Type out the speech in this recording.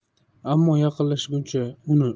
ammo yaqinlashguncha uni